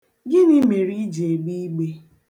Gịnị mere i ji egbe igbe?